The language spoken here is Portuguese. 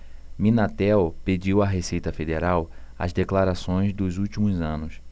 minatel pediu à receita federal as declarações dos últimos anos